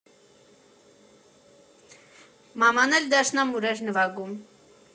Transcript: Մաման էլ դաշնամուր էր նվագում։